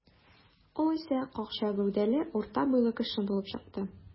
Ул исә какча гәүдәле, урта буйлы кеше булып чыкты.